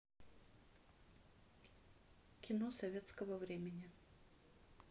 кино советского времени